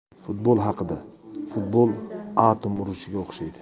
futbol haqidafutbol atom urushiga o'xshaydi